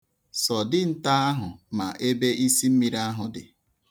Sọ dinta ahụ ma ebe isimmiri ahụ dị.